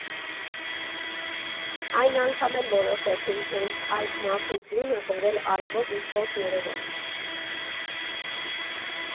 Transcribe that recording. Այս անգամ էլ որոշեցինք հենց այդ մաքուր ձյունը բերել արևոտ ու շոգ Երևան.